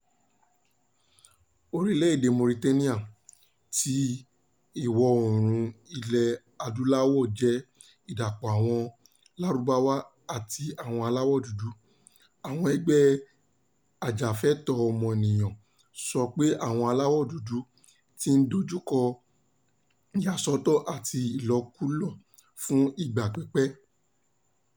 Orílẹ̀-èdè Mauritania ti Ìwọ̀-oòrùn Ilẹ̀-Adúláwọ̀ jẹ́ ìdàpọ̀ àwọn Lárúbáwá àti àwọn aláwọ̀ dúdú, àwọn ẹgbẹ́ ajàfẹ́tọ̀ọ́ ọmọnìyàn sọ pé àwọn aláwọ̀ dúdú ti ń dojúkọ ìyàsọ́tọ̀ àti ìlòkulò fún ìgbà pípẹ́.